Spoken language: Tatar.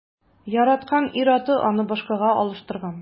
Яраткан ир-аты аны башкага алыштырган.